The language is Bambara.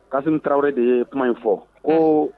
Ka tarawele wɛrɛ de ye kuma in fɔ ko